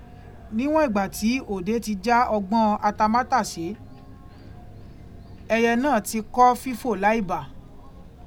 Níwọ̀n ìgbà tí òde ti já ọgbọ́n àtamátàsè, ẹyẹ náà ti kọ́ fífò láì bà.